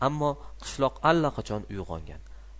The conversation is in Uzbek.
ammo qishloq allaqachon uyg'ongan